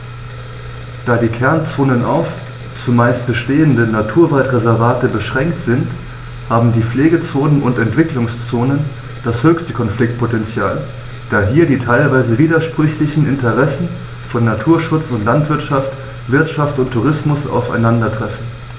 Da die Kernzonen auf – zumeist bestehende – Naturwaldreservate beschränkt sind, haben die Pflegezonen und Entwicklungszonen das höchste Konfliktpotential, da hier die teilweise widersprüchlichen Interessen von Naturschutz und Landwirtschaft, Wirtschaft und Tourismus aufeinandertreffen.